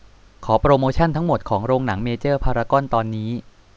ขอโปรโมชันทั้งหมดของโรงหนังเมเจอร์พารากอนตอนนี้